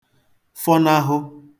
fọnahụ